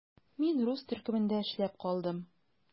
Мин рус төркемендә эшләп калдым.